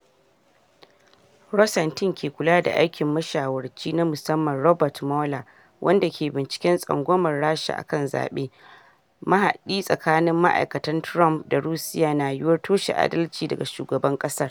Rosenstein ke kula da aikin mashawarci na musamman Robert Mueler, wanda ke binciken tsangwamar Rasha akan zabe, mahadi tsakanin ma’aikatan Trump da Russia da yiyuwar toshe adalci daga Shugaban kasar.